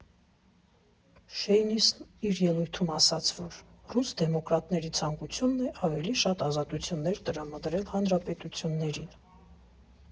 Շեյնիսն իր ելույթում ասաց, որ ռուս դեմոկրատների ցանկությունն է՝ ավելի շատ ազատություններ տրամադրել հանրապետություններին։